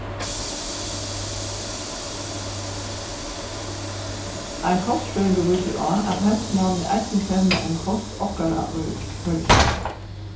ein kostfrøðingur vísir á at heimsmálini eisini fevna um kost okkara í føroyum